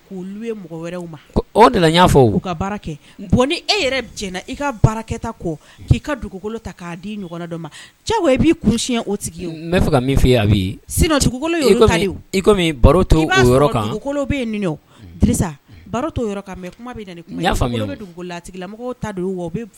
Dugu ta di ɲɔgɔn i b'i kuru oa fɔ akolo bɛ la